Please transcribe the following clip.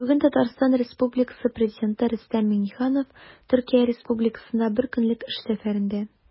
Бүген Татарстан Республикасы Президенты Рөстәм Миңнеханов Төркия Республикасында бер көнлек эш сәфәрендә.